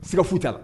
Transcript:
Siga t'a la